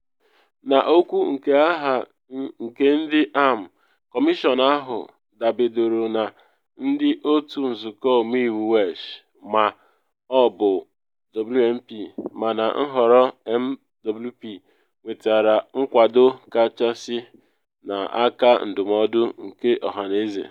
N’okwu nke aha nke ndị AM, Kọmịshọn ahụ dabedoro na Ndị Otu Nzụkọ Ọmeiwu Welsh ma ọ bụ WMP, mana nhọrọ MWP nwetara nkwado kachasị n’aka ndụmọdụ nke ọhaneze.